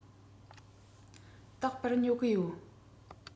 རྟག པར ཉོ གི ཡོད